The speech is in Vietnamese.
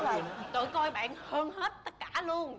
rồi coi bạn hơn hết tất cả luôn